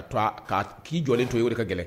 Ka to' k'i jɔlen to yeori ka gɛlɛn